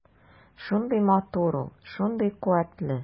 Шундый матур ул, шундый куәтле.